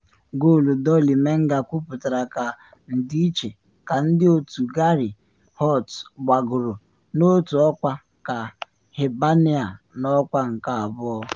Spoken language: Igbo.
Goolu Dolly Menga kwụpụtara ka ndịiche ka ndị otu Gary Holt gbagoro n’otu ọkwa ka Hibernia n’ọkwa nke abụọ.